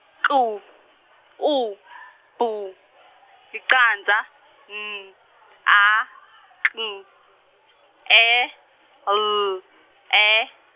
K, U , B, licandza N, A , K, E, L, E.